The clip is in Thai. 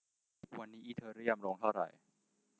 วันนี้อีเธอเรียมลงเท่าไหร่